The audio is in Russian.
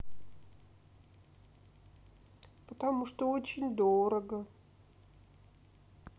потому что очень дорого